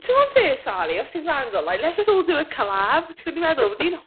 Timod be Sali, os ti’n gwrando, like let’s all just do a collab, ti’n gwybod be fi'n meddwl? Fi'n...